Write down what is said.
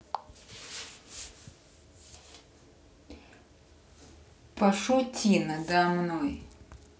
пошути надо мной